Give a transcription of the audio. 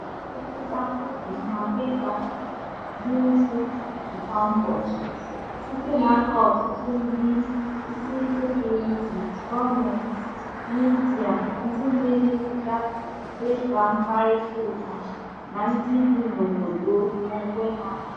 A na-emepụta nha data dị ukwuu kwa ụbọchị, site n’aka ọtụtụ ndị isi sekpu ntị: gọọmentị. midia, ndị na-emepụta data mkparịtaụka, na ndị bi n’obodo n’onwe ha.